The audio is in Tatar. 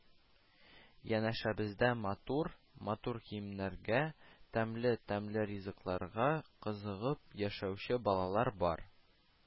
Янәшәбездә матур – матур киемнәргә, тәмле – тәмле ризыкларга кызыгып яшәүче балалар бар